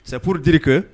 Sapurdirike